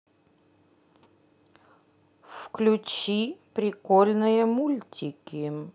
включи прикольные мультики